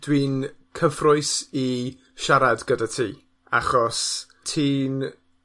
Dwi'n cyffroes i siarad gyda ti achos ti'n